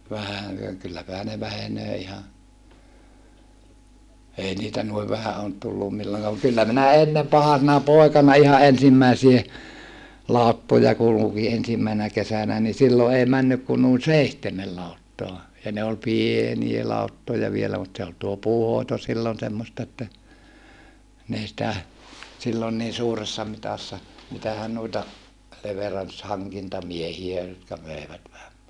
vähän ja kylläpähän ne vähenee ihan ei niitä noin vähän ole tullut milloinkaan mutta kyllä minä ennen pahasena poikana ihan ensimmäisiä lauttoja kulki ensimmäisenä kesänä niin silloin ei mennyt kuin noin seitsemän lauttaa ja ne oli pieniä lauttoja vielä mutta se oli tuo puunhoito silloin semmoista että ne ei sitä silloin niin suuressa mitassa mitähän noita leveranssi hankintamiehiä jotka möivät vähän